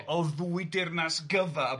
...o o ddwy dirnas gyfa... Ia.